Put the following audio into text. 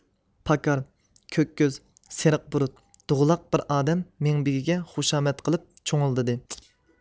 پاكار كۆك كۆز سېرىق بۇرۇت دوغىلاق بىر ئادەم مىڭبېگىگە خۇشامەت قىلىپ چۇڭۇلدىدى